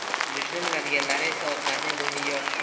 suzishni biladiganlari esa otlarning bo'yniga yopishib